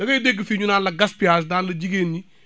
da ngay dégg fii ñu naan la gaspillage naan la jigéen ñi